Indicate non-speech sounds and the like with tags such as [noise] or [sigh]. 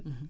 [hesitation] [hesitation]